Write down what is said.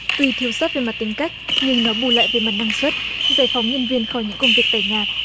tuy thiếu sót về mặt tính cách nhưng bù lại về mặt năng suất giải phóng nhân viên khỏi những công việc tẻ nhạt